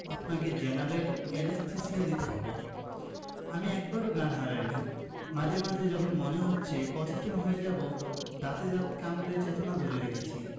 আপনাকে general anaesthesia দিতে হবে আমি একবারও জ্ঞান হারাইনি মাঝে মাঝে যখন মনে হয়েছে অচেতন হয়ে যাবো দাঁতে দাঁত কামড়ে চেতনা ধরে রেখেছি